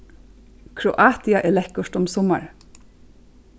kroatia er lekkurt um summarið